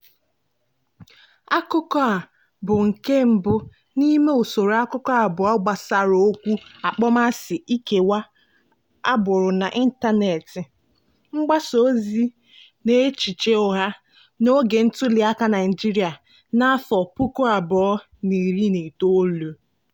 I nwere ike ịgụ akụkụ nke abụọ ebe a.